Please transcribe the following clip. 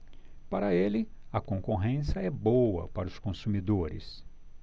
para ele a concorrência é boa para os consumidores